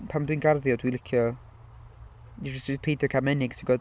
pan dwi'n garddio dwi'n licio... j- j- jyst peidio cael menig ti'n gwbod?